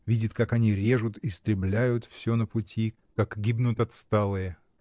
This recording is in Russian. видит, как они режут, истребляют всё на пути, как гибнут отсталые.